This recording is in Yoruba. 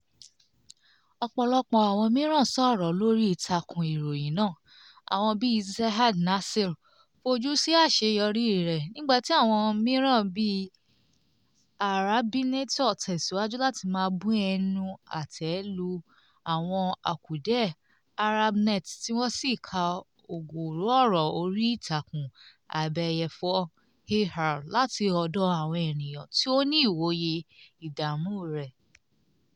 Ọ̀pọ̀lọpọ̀ àwọn mìíràn sọ̀rọ̀ lórí ìtàkùn ìròyìn náà: àwọn bíi Ziad Nasser fojú sí àṣeyọrí rẹ̀, nígbà tí àwọn mìíràn bíi Arabinator tẹ̀síwájú láti máa bu ẹnu àtẹ́ lu àwọn àkùdé Arabnet tí wọ́n sì kà ọ̀gọ̀ọ̀rọ̀ ọ̀rọ̀ orí ìtàkùn abẹ́yẹfò[ar] láti ọ̀dọ àwọn ènìyàn tí ó ní ìwòye ìdààmú rẹ̀.